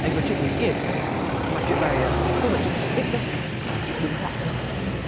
anh có chuyện muốn kể cho em mà chuyện này à không phải truyện cổ tích đâu mà là chuyện đương đại cơ